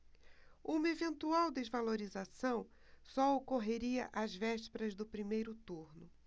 uma eventual desvalorização só ocorreria às vésperas do primeiro turno